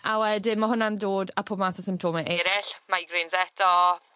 A wedyn ma' hwnna'n dod a pob math o symptome eryll. Migraines eto.